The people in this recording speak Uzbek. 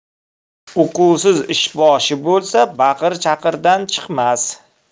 uquvsiz ishboshi bo'lsa baqir chaqirdan chiqmas